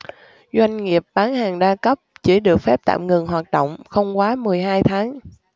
doanh nghiệp bán hàng đa cấp chỉ được phép tạm ngừng hoạt động không quá mười hai tháng